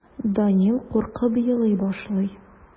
Данил куркып елый башлый.